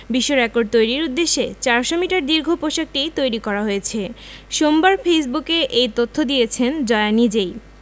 বিশ্বরেকর্ড তৈরির উদ্দেশ্যে ৪০০ মিটার দীর্ঘ পোশাকটি তৈরি করা হয়েছে সোমবার ফেসবুকে এ তথ্য দিয়েছেন জয়া নিজেই